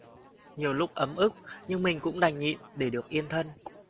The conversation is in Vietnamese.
nhiều lúc ấm ức nhưng mình cũng đành nhịn để được yên thân